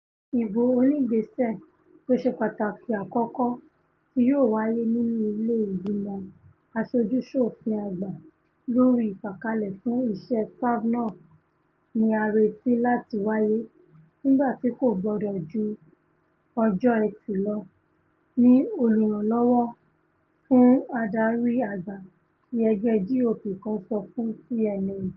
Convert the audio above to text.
Ìbò oníìgbésẹ̀ tóṣe pàtàkì àkọ́kọ́ tí yóò wáyé nínú ilé ìgbìmọ̀ Aṣojú-ṣòfin Àgbà lórí ìfàkalẹ̀ fún iṣẹ́ Kavanaugh ni a réti làti waye nígbàtí kò gbọdọ̀ ju ọjọ́ Ẹtì lọ, ni olùránlọ́wọ́ fún adarí àgbà ti ẹgbẹ́ GOP kan sọ fún CNN.